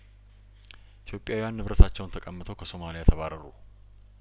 ኢትዮጵያውያን ንብረታቸውን ተቀምተው ከሶማሊያ ተባረሩ